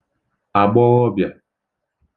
àgbọghọbị̀à